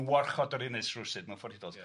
I warchod yr Ynys Rywsut mewn ffordd hudol... Ia.